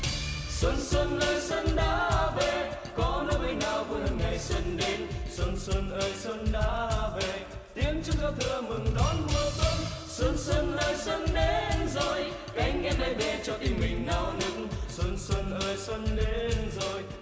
xuân xuân ơi xuân đã về có nỗi vui nào vui hơn ngày xuân đến xuân xuân ơi xuân đã về tiếng chúc giao thừa mừng đón mùa xuân xuân xuân ơi xuân đến rồi cánh én bay về cho tim mình náo nức xuân xuân ơi xuân đến rồi